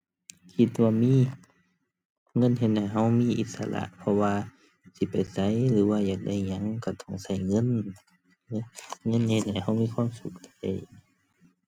คิดว่ามี เงินเฮ็ดให้เรามีอิสระ เพราะว่าสิไปไสหรือว่าอยากได้อิหยังเราต้องเราเงิน เงินเยอะเฮ็ดให้เรามีความสุขได้